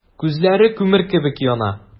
Күзләре күмер кебек яна.